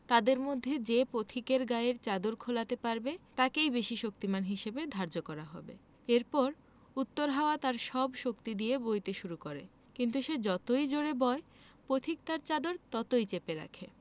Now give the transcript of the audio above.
তাদের মধ্যে যে পথিকে গায়ের চাদর খোলাতে পারবেতাকেই বেশি শক্তিমান হিসেবে ধার্য করা হবে এরপর উত্তর হাওয়া তার সব শক্তি দিয়ে বইতে শুরু করে কিন্তু সে যতই জোড়ে বয় পথিক তার চাদর চেপে ধরে রাখে